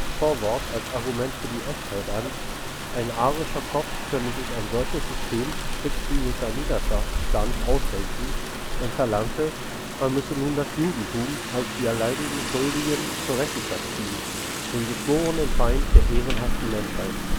Vorwort als Argument für die Echtheit an, ein arischer Kopf könne sich ein solches System spitzbübischer Niedertracht gar nicht ausdenken, und verlangte, man müsse nun das Judentum „ als die allein Schuldigen zur Rechenschaft ziehen: den geschworenen Feind der ehrenhaften Menschheit